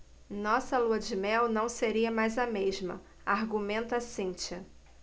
nossa lua-de-mel não seria mais a mesma argumenta cíntia